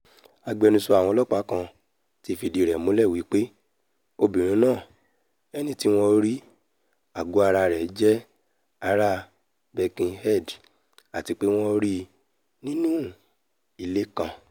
Agbẹnusọ àwọn ọlọ́ọ̀pá kan ti fìdí rẹ múlẹ̀ wí pé obìnrin náà ẹniti wọ́n rí àgọ́-ara rẹ̀ jẹ ará Birkenhead àtipé wọn ríi nínú ilé kan.